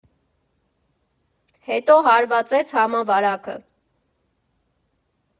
Հետո հարվածեց համավարակը։